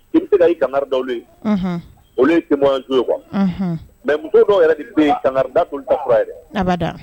I be se ka i kangari da olu ye unhun olu ye témoignage u ye quoi unhun mais muso dɔw yɛrɛ de den kangari da t'olu ka fura ye dɛ abadaa